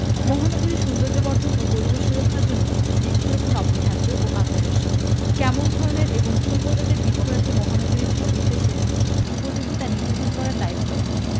মহানগরীর সৌন্দর্যবর্ধন ও পরিবেশ সুরক্ষার জন্য বৃক্ষরোপণ অপরিহার্য ও অত্যাবশ্যক কেমন ধরনের এবং কোন্ প্রজাতির বৃক্ষরাজি মহানগরীর সবিশেষ উপযোগী তা নির্ধারণ করার দায়িত্ব